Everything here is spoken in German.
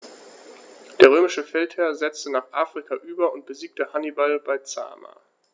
Der römische Feldherr setzte nach Afrika über und besiegte Hannibal bei Zama.